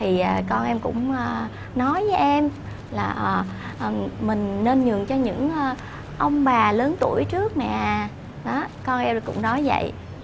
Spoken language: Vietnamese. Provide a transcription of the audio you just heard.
thì con em cũng a nói với em là à mình nên nhường cho những ông bà lớn tuổi trước nè đó con em cũng nói vậy